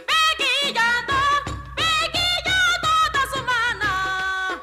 Itan' tɛ tɛ sɛgɛn la